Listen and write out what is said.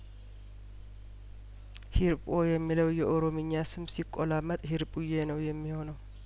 ሂርጶ የሚለው የኦሮምኛ ስም ሲቆላመጥ ሂርጱዬ ነው የሚሆነው